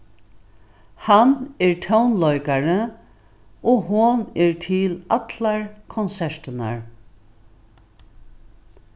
hann er tónleikari og hon er til allar konsertirnar